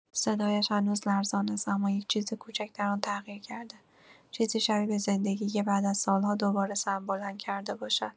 صدایش هنوز لرزان است، اما یک چیز کوچک در آن تغییر کرده؛ چیزی شبیه به زندگی که بعد از سال‌ها دوباره سر بلند کرده باشد.